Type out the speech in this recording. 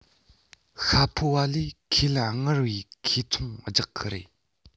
ཤྭ ཕོ བ ལས ཁས ལེན སྔར བས ཁེ ཚོང རྒྱག གི རེད